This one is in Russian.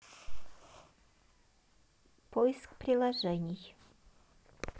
поиск приложений